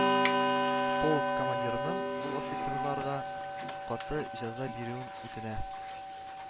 Полк командирыннан ул офицерларга каты җәза бирүен үтенә